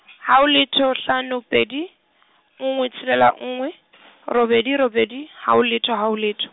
haho letho hlano pedi, nngwe tshelela nngwe, robedi robedi, haho letho haho letho.